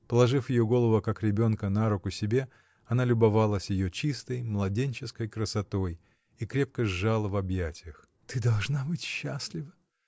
Положив ее голову, как ребенка, на руку себе, она любовалась ее чистой, младенческой красотой и крепко сжала в объятиях. — Ты должна быть счастлива!